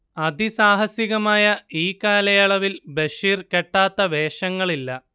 അതിസാഹസികമായ ഈ കാലയളവിൽ ബഷീർ കെട്ടാത്ത വേഷങ്ങളില്ല